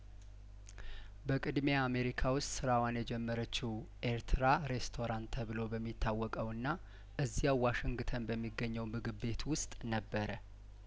በቅድሚያአሜሪካ ውስጥ ስራዋን የጀመረችው ኤርትራ ሬስቶራንት ተብሎ በሚታወቀውና እዚያው ዋሽንግተን በሚገኘውምግብ ቤት ውስጥ ነበረ